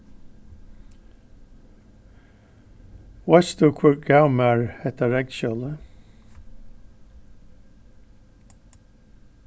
veitst tú hvør gav mær hetta regnskjólið